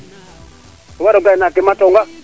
o waro gay naak kee matoona